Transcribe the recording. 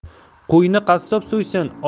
qo'yni qassob so'ysin